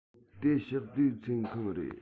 དེ ཕྱོགས བསྡུས ཚོགས ཁང རེད